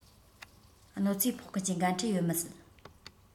གནོད འཚེ ཕོག མཁན གྱི འགན འཁྲི ཡོད མི སྲིད